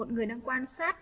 một người đang quan sát